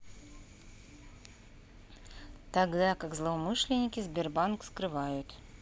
тогда как злоумышленники сбербанк скрывают